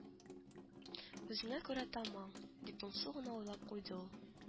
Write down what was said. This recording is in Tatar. —үзеңә күрә таман,—дип моңсу гына уйлап куйды ул